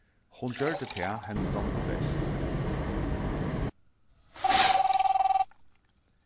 hon gjørdi tað henni dámdi best